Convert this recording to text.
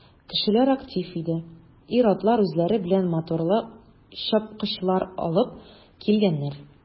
Кешеләр актив иде, ир-атлар үзләре белән моторлы чапкычлар алыпн килгәннәр.